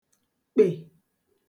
kpè